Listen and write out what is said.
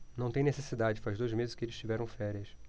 não tem necessidade faz dois meses que eles tiveram férias